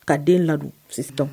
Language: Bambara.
Ka den ladon sisan